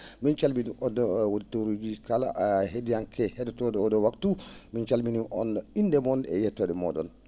min calminii on auditeur uji kala he?iyanke he?otoo?o oo ?oo waktu min calminii on innde mon e yettoode moo?on